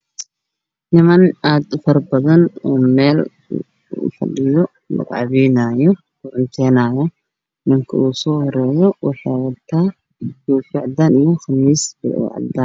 Waa niman aad u faro badan waxay fadhiyaan meel lugu cawaynaayo ama lugu cashaynaayo, ninka ugu soo horeeyo waxuu wataa koofi cadaan iyo qamiis cadaan ah.